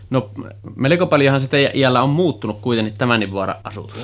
no melko paljonhan se teidän iällä on muuttunut kuitenkin tämänkin vaaran asutus